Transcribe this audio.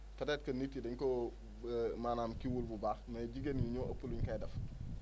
peut être que nit yi dañ koo maanaam kii wul bu baax mais jigéen ñi ñoo ëpp lu ñu koy def